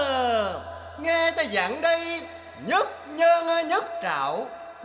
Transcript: a nghe ta dặn đây nhất nhân nhất trảo